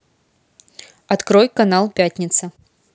открой канал пятница